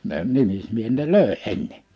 ne nimismiehet ne löi ennen